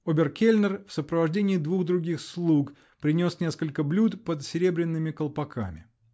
Обер-кельнер, в сопровождении двух других слуг, принес несколько блюд под серебряными колпаками.